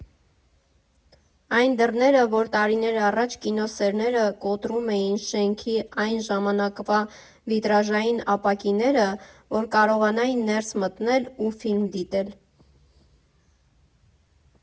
Այն դռները, որ տարիներ առաջ կինոսերները կոտրում էին շենքի՝ այն ժամանակվա վիտրաժային ապակիները, որ կարողանային ներս մտնել ու ֆիլմ դիտել։